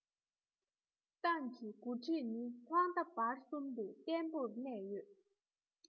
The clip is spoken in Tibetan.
ཏང གི འགོ ཁྲིད ནི ཐོག མཐའ བར གསུམ དུ བརྟན པོར གནས ཡོད